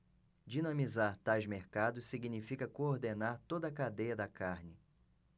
dinamizar tais mercados significa coordenar toda a cadeia da carne